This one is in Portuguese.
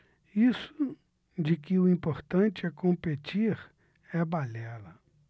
isso de que o importante é competir é balela